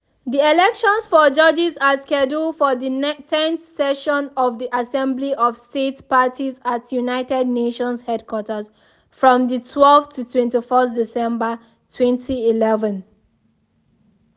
The elections for judges are scheduled for the tenth session of the Assembly of States Parties at United Nations Headquarters from the 12-21 December, 2011.